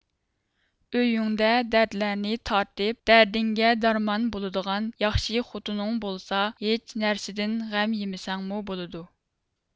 ئۆيۈڭدە دەردلەرنى تارتىپ دەردىڭگە دەرمان بولىدىغان ياخشى خوتۇنۇڭ بولسا ھېچ نەرسىدىن غەم يېمىسەڭمۇ بولىدۇ